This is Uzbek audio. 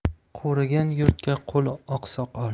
qurigan yurtga qul oqsoqol